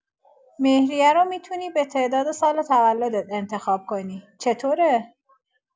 مهریه رو می‌تونی به تعداد سال تولدت انتخاب کنی، چطوره؟